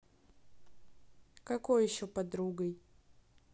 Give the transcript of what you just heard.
какой еще подругой